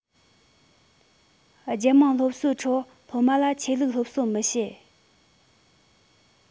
རྒྱལ དམངས སློབ གསོའི ཁྲོད སློབ མ ལ ཆོས ལུགས སློབ གསོ མི བྱེད